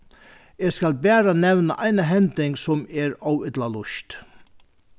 eg skal bara nevna eina hending sum er ov illa lýst